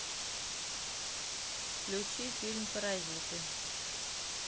включи фильм паразиты